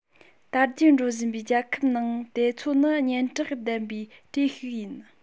དར རྒྱས འགྲོ བཞིན པའི རྒྱལ ཁབ ནང དེ ཚོ ནི སྙན གྲགས ལྡན པའི གྲས ཤིག ཡིན